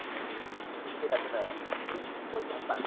jindekkinasini bekitib qo'yganman